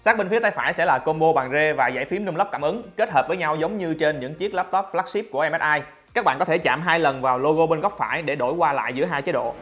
sát bên tay phải sẽ là combo bàn rê và dãy phím numlock cảm ứng kết hợp với nhau giống như trên những chiếc laptop flagship của msi các bạn có thể chạm lần vào logo bên góc phải để đổi qua lại giữa chế độ